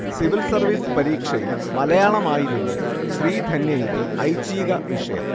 civil service പരീക്ഷയിൽ മലയാളമായിരുന്നു ശ്രീധന്യയുടെ ഐച്ഛീകവിഷയം